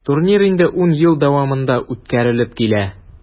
Турнир инде 10 ел дәвамында үткәрелеп килә.